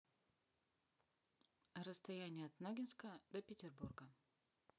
расстояние от ногинска до петербурга